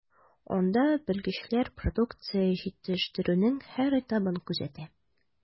Анда белгечләр продукция җитештерүнең һәр этабын күзәтә.